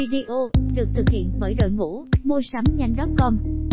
video được thực hiện bởi đội ngũ muasamnhanh com